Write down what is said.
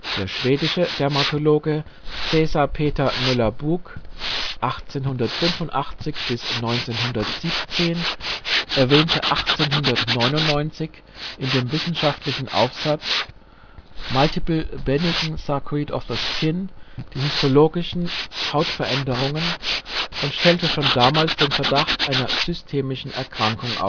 Der schwedische Dermatologe Cæsar Peter Møller Boeck (1845 - 1917) erwähnte 1899 in dem wissenschaftlichen Aufsatz " multiple benign sarcoid of the skin " die histologischen Hautveränderungen und stellt schon damals den Verdacht einer systemischen Erkrankung